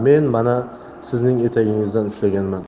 men mana sizning etagingizdan ushlaganman